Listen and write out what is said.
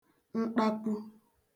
nṭakwu